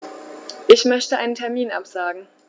Ich möchte einen Termin absagen.